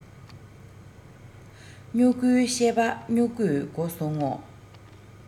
སྨྱུ གུའི བཤད པ སྨྱུ གུས གོ སོང ངོ